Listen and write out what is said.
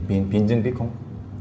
bình bình dương vin com